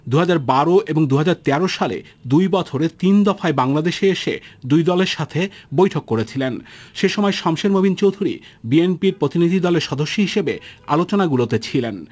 ২০১২ এবং ২০১৩ সালে ২ বছরে তিন দফায় বাংলাদেশে এসে দুই দলের সাথে বৈঠক করেছিলেন শমসের মবিন চৌধুরী বিএনপি'র প্রতিনিধি দলের সদস্য হিসেবে আলোচনাগুলোতে ছিলেন